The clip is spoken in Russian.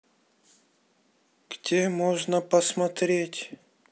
где можно посмотреть